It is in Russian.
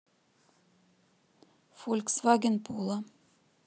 фольксваген поло